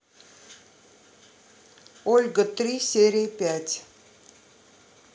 ольга три серия пять